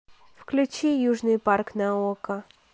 включи южный парк на окко